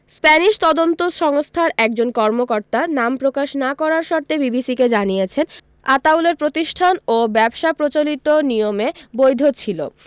Spanish তদন্ত সংস্থার একজন কর্মকর্তা নাম প্রকাশ না করার শর্তে বিবিসিকে জানিয়েছেন আতাউলের প্রতিষ্ঠান ও ব্যবসা প্রচলিত নিয়মে বৈধ ছিল